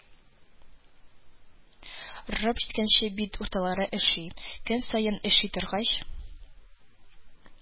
Рып җиткәнче бит урталары өши, көн саен өши торгач,